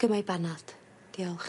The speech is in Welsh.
Gyma'i banad, diolch.